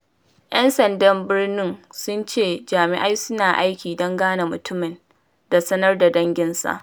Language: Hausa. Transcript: ‘Yan sandan Birni sun ce jami’ai suna aiki don gane mutumin da sanar da danginsa.